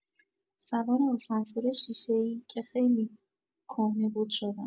سوار آسانسور شیشه‌ای که خیلی کهنه بود شدم.